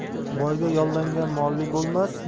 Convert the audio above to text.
boyga yollangan molli bo'lmas